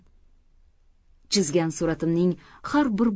chizgan suratimning har bir